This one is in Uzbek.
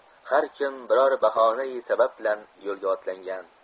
har kim biror bahonai sabab bilan yo'lga otlangan